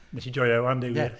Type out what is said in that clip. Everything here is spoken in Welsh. Wnes i enjoio hi 'wan deud gwir.